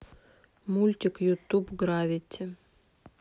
мультик ютуб гравити